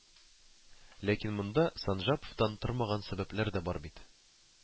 Ләкин монда Санжаповтан тормаган сәбәпләр дә бар бит